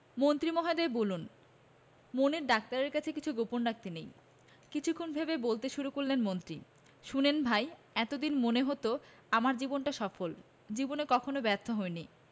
মন্ত্রী মহোদয় বলুন মনের ডাক্তারের কাছে কিছু গোপন রাখতে নেই কিছুক্ষণ ভেবে বলতে শুরু করলেন মন্ত্রী শুনুন ভাই এত দিন মনে হতো আমার জীবনটা সফল জীবনে কখনো ব্যর্থ হইনি